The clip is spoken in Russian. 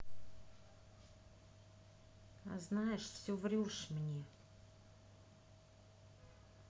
а знаешь все врешь мне